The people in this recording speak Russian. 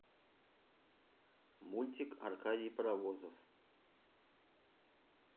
мультик аркадий паровозов